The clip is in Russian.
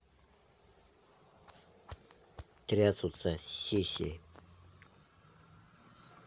трясутся сиси